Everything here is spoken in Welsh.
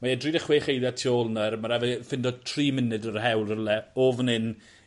mae e dri deg chwech eiliad tu ôl nawr. Ma' rai' fe ffindo tri munud ar y hewl rywle o fyn yn